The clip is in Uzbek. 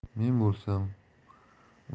men bo'lsam unikiga